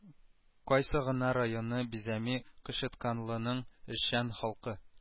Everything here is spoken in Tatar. Кайсы гына районны бизәми кычытканлының эшчән халкы